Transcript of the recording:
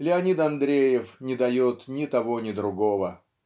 Леонид Андреев не дает ни того, ни другого.